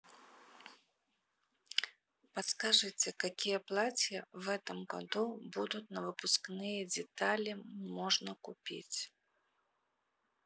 подскажите какие платья в этом году будут на выпускные детали можно купить